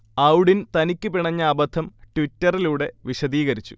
ഔഡിൻ തനിക്ക് പിണഞ്ഞ അബദ്ധം ട്വിറ്ററിലൂടെ വിശദീകരിച്ചു